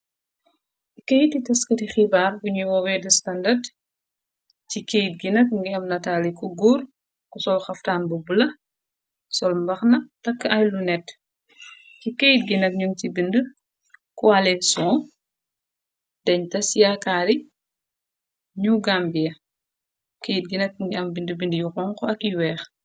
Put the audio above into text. Keyti taskati xibaar biñuy wowee de standard ci keyt ginak ngi am nataali ku góor ku sol xaftaan bu bula sol mbaxna takk ay lu net ci keyt ginak ñu ci bind ko alesson dañ tas yakaari ñu gambia keyt ginak ngi am bind-bindi yi xonx ak yu weex.